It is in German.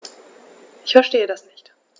Ich verstehe das nicht.